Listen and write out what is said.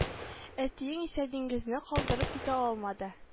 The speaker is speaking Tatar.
Әтиең исә диңгезне калдырып китә алмады